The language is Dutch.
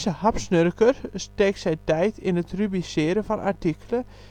hapsnurker steekt zijn tijd in het rubriceren van artikelen